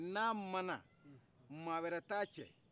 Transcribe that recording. n'a mana maa wɛrɛ t'a cɛ